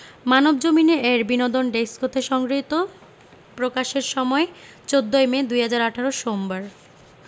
মানবজমিন এ এর বিনোদন ডেস্ক হতে সংগৃহীত প্রকাশের সময় ১৪ ই মে ২০১৮ সোমবার